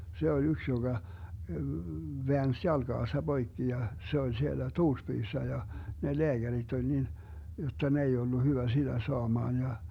se oli yksi joka väänsi jalkansa poikki ja se oli siellä Tuurspyyssä ja ne lääkärit oli niin jotta ne ei ollut hyvä sitä saamaan ja